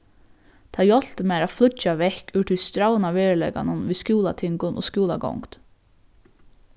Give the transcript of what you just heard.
tað hjálpti mær at flýggja vekk úr tí strævna veruleikanum við skúlatingum og skúlagongd